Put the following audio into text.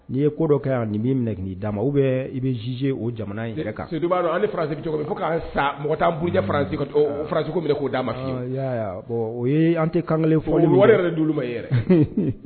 N'i ye ko dɔ kɛ yan nin b'i minɛ ki d'a ma ou bien i bɛ jugé o jamana in yɛrɛ kan surtout i b'a don anw ni faransi bi cogomin fɔ kan sa mɔgɔ t'anw buruja faransi kato farasi ka t'o minɛ k'o d'anw ma fiyew ɔ iya ye bon o ye anw tɛ kan kelen fɔli mi kɛ o wale yɛrɛ dun maɲi yɛrɛ